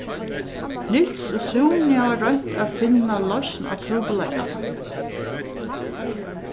niels og súni hava roynt at finna loysn á trupulleikanum